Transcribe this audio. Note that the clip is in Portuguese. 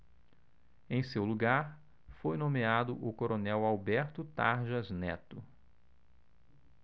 em seu lugar foi nomeado o coronel alberto tarjas neto